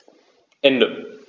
Ende.